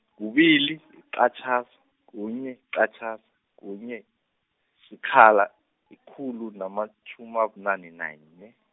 kubili , yiqatjhazi, kunye, yiqatjhazi, kunye, sikhala, yikhulu, namatjhumi, abunane, nanye.